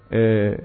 Unhun